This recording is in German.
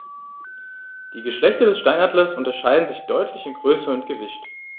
Die Geschlechter des Steinadlers unterscheiden sich deutlich in Größe und Gewicht.